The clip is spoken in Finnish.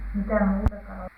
mitä muuta -